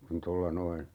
kun tuolla noin